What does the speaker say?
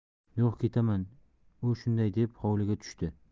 yo'q ketaman u shunday deb hovliga tushdi